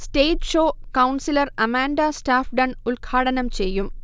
stage show councillor Amanda സ്റ്റാഫ്ഡൺ ഉൽഘാടനം ചെയ്യും